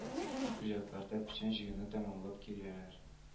Хуҗалыкларда печән җыюны тәмамлап киләләр